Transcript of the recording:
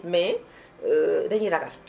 mais dañuy ragal